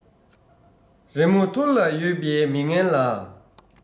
རི མོ ཐུར ལ ཡོད པའི མི ངན ལ